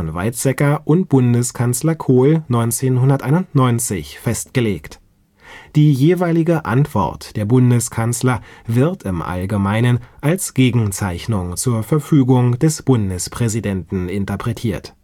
Weizsäcker und Bundeskanzler Kohl 1991 festgelegt. Die jeweilige Antwort der Bundeskanzler wird im Allgemeinen als Gegenzeichnung zur Verfügung des Bundespräsidenten interpretiert